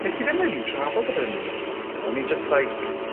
Nes i ddim rili trafod gyda unrhyw un amdano fe o'n i jys like